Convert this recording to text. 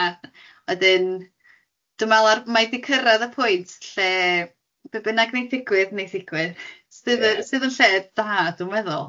wedyn dw meddwl ar mae hi wedi cyrraedd y pwynt lle be bynnag wnei digwydd wneith ddigwydd sydd yy sydd yn lle da dw meddwl.